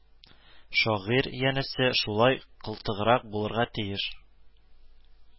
Шагыйрь, янәсе, шулай кылтыграк булырга тиеш